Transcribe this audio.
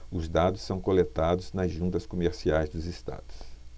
os dados são coletados nas juntas comerciais dos estados